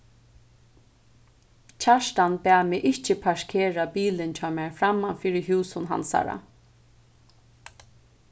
kjartan bað meg ikki parkera bilin hjá mær framman fyri húsum hansara